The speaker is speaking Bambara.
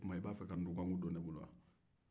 a 'o tuma i b'a fɛ ka nfakun don ne bolo wa